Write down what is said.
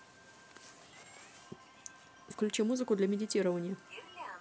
включи музыку для медитирования